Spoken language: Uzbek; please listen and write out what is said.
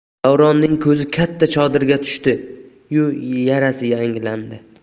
davronning ko'zi katta chodirga tushdi yu yarasi yangilandi